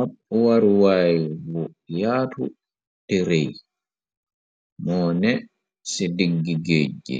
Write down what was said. Ab waruwaay bu yaatu, terëy, moo ne ci diggi géej gi,